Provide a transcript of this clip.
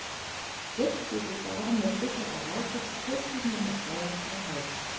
Jetzt geht es darum, das bisher Erreichte zu festigen und auf Dauer zu erhalten.